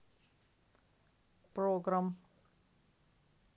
program